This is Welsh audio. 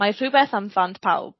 Mae rhywbeth am ddant pawb.